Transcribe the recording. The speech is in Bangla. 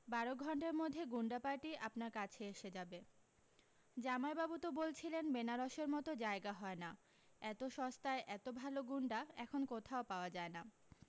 বারো ঘন্টার মধ্যে গুণ্ডাপার্টি আপনার কাছে এসে যাবে জামাইবাবু তো বলছিলেন বেনারসের মতো জায়গা হয় না এত সস্তায় এতো ভালো গুণ্ডা এখন কোথাও পাওয়া যায় না